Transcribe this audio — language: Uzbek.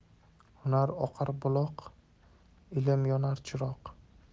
hunar oqar buloq ilm yonar chiroq